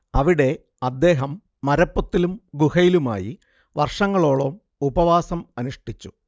അവിടെ അദ്ദേഹം മരപ്പൊത്തിലും ഗുഹയിലുമായി വർഷങ്ങളോളം ഉപവാസം അനുഷ്ഠിച്ചു